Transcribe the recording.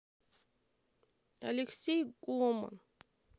алексей гоман